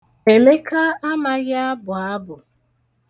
Emeka amaghị abụ abụ.